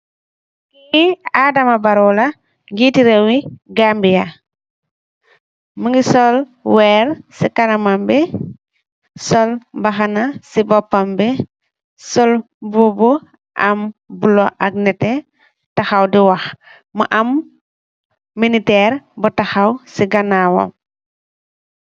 Ki adama barrow la njeeti rewi gambia munge sul lu werr si kanamam bi sul mbakhana si bopam bi sul mbubo bu am bulah ak neteh takhaw di wakh mu amm militer bu takhaw si ganawam bi